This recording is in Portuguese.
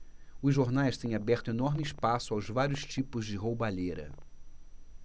os jornais têm aberto enorme espaço aos vários tipos de roubalheira